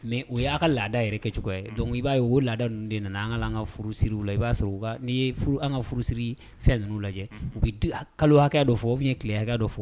Mɛ o y'a ka laada yɛrɛ kɛcogo dɔn i b'a o laada ninnu de nana an ka an ka furusiri la i b'a sɔrɔ n'i ye furu an ka furusiri fɛn ninnu lajɛ u bɛ kalo hakɛ dɔ fɔ u bɛ ye tile hakɛ dɔ fɔ